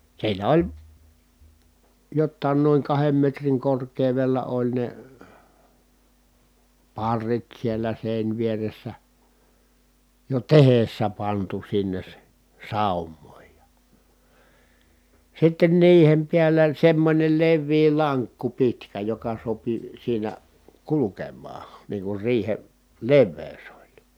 siinä oli jotakin noin kahden metrin korkeudella oli ne parrit siellä se jo tehdessä pantu sinne - saumoin ja sitten niiden päällä semmoinen leveä lankku pitkä joka sopi siinä kulkemaan niin kuin riihen leveys oli